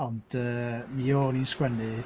Ond yy mi o'n i'n sgwennu.